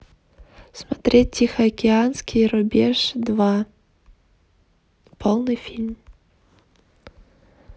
смотреть тихоокеанский рубеж два полный фильм